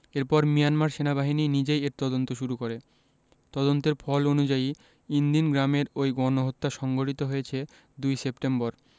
এরপর মিয়ানমার সেনাবাহিনী নিজেই এর তদন্ত শুরু করে তদন্তের ফল অনুযায়ী ইনদিন গ্রামের ওই গণহত্যা সংঘটিত হয়েছে ২ সেপ্টেম্বর